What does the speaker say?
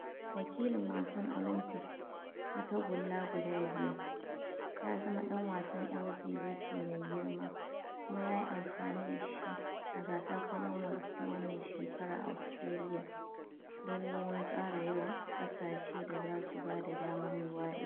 Ya ce ya yi magana ne saboda ya ji daɗin kasancewa a fili ba tare da raguwa ba kuma yana so ya ba wasu "fata".